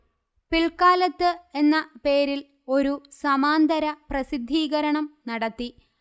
പിൽക്കാലത്ത് എന്ന പേരിൽ ഒരു സമാന്തര പ്രസിദ്ധീകരണം നടത്തി